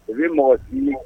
U bɛ mɔgɔ sini